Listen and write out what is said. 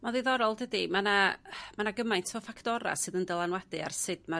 Mo'n ddiddorol yn dydi? Ma' 'na ma' 'na gymaint o ffactora' sydd yn dylanwadu ar sut ma'r